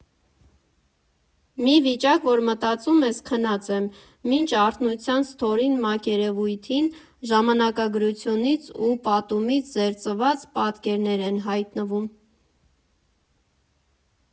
Մի վիճակ, որ մտածում ես՝ քնած եմ, մինչ արթնության ստորին մակերևույթին ժամանակագրությունից ու պատումից զերծված պատկերներ են հայտնվում։